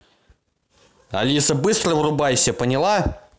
алиса быстро врубайся поняла